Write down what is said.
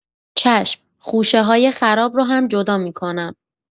چشم، خوشه‌های خراب رو هم جدا می‌کنم.